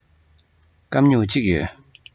སྐམ སྨྱུག གཅིག ཡོད